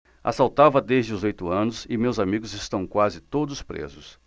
assaltava desde os oito anos e meus amigos estão quase todos presos